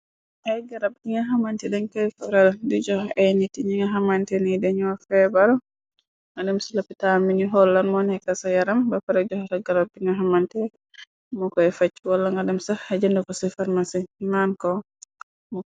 Ay garab gi nga xamante dañ koy faral di joxe ay nit yi ñi nga xamante ni dañu feebar nga dem si lopitan bi ñu xol lan mo nekka ca yaram ba paré jox la garab bi nga xamante mo koy facc wala nga dem sax jënda ko ci farmasi bi naan ko.